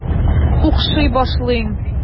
Укшый башлыйм.